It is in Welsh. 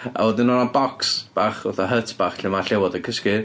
A wedyn oedd 'na bocs bach, fatha hut bach lle ma' llewod yn cysgu.